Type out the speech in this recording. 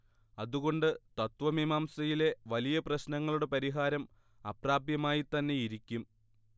അതുകൊണ്ട് തത്ത്വമീമാംസയിലെ വലിയ പ്രശ്നങ്ങളുടെ പരിഹാരം അപ്രാപ്യമായിത്തന്നെയിരിക്കും